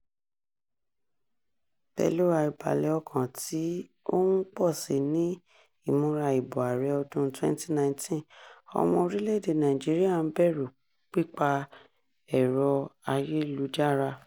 Pẹ̀lú àìbalẹ̀-ọkàn tí ó ń pọ̀ sí i ní ìmúra ìbò ààrẹ ọdún-un 2019, Ọmọ orílẹ̀-èdè Nàìjíríà ń bẹ̀rùu pípa ẹ̀rọ-ayélujára